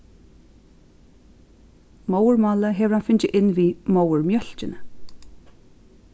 móðurmálið hevur hann fingið inn við móðurmjólkini